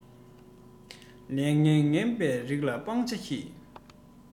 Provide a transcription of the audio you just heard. ལས ངན ངན པའི རིགས ལ སྤང བྱ གྱིས